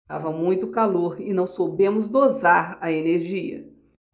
estava muito calor e não soubemos dosar a energia